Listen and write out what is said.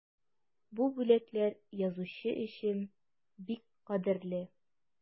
Бу бүләкләр язучы өчен бик кадерле.